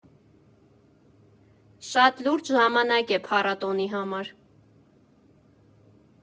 Շատ լուրջ ժամանակ է փառատոնի համար։